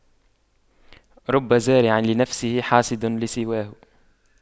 رب زارع لنفسه حاصد سواه